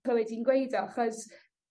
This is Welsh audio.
clywed hi'n gweud o achos